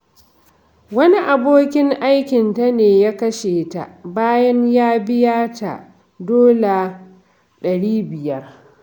Wani abokin aikinta ne ya kashe ta, bayan ya biya ta Dala HK$500 (Dalar Amurka 65) don ya ɗauki hotunanta.